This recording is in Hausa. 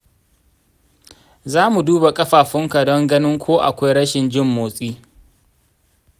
za mu duba ƙafafunka don ganin ko akwai rashin jin motsi.